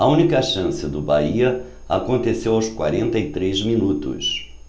a única chance do bahia aconteceu aos quarenta e três minutos